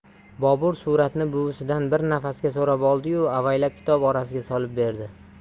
bobur suratni buvisidan bir nafasga so'rab oldi yu avaylab kitob orasiga solib berdi